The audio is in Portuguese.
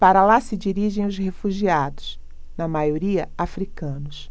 para lá se dirigem os refugiados na maioria hútus